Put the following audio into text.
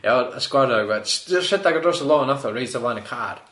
Ie oedd y sgwarnog ma s- jyst rhedeg ar draws y lôn nath o reit o flaen y car.